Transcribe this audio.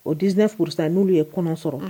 O 17 % n'olu ye kɔnɔn sɔrɔ.